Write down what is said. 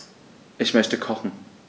Ich möchte kochen.